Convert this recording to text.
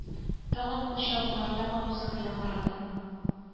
Тагын кул чабулар тагын музыка яңгырады